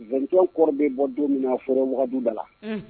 Vi kɔrɔ bɛ bɔ don min fɔra wagaduba la